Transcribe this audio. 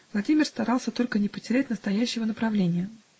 Владимир старался только не потерять настоящего направления.